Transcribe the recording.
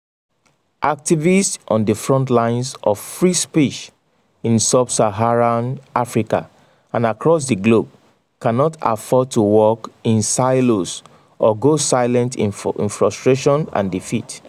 Activists on the front lines of free speech in sub-Saharan Africa and across the globe cannot afford to work in silos or go silent in frustration and defeat.